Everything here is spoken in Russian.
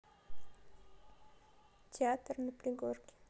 театр на пригорке